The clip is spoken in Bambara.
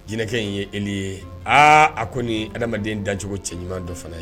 Jinɛkɛ in ye' ye aa a ko nin adamadamaden dacogo cɛɲuman dɔ fana ye